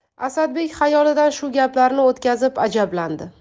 asadbek xayolidan shu gaplarni o'tkazib ajablandi